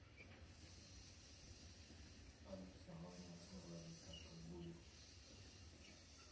алиса можно разговаривать так как будет